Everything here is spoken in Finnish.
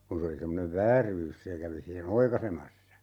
kun se oli semmoinen vääryys se kävi siihen oikaisemassa